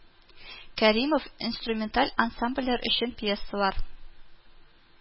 Кәримов инструменталь ансамбльләр өчен пьесалар